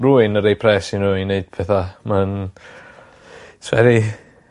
rywun yn roi pres i nw i neud petha ma'n it's very...